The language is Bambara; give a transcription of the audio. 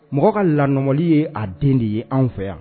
Mɔgɔ ka lali ye a den de ye anw fɛ yan